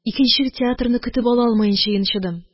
Икенче театрны көтеп алалмаенча йончыдым